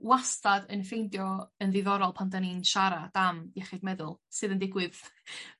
wastad yn ffeindio yn ddiddorol pan 'dan ni'n siarad am iechyd meddwl sydd yn digwydd